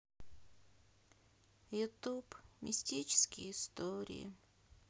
ютуб мистические истории